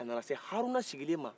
a nana se haruna sigilen ma